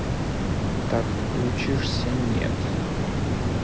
так включишься нет